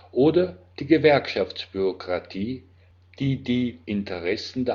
oder die Gewerkschaftsbürokratie, die die Interessen